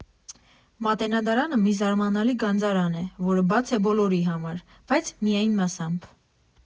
Մատենադարանը մի զարմանալի գանձարան է, որը բաց է բոլորի համար, բայց միայն մասամբ.